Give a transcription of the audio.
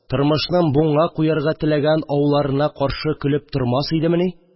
Тормышның буңа куярга теләгән ауларына каршы көлеп тормас идемени